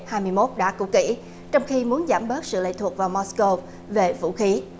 hai mươi mốt đã cũ kỹ trong khi muốn giảm bớt sự lệ thuộc vào mót câu về vũ khí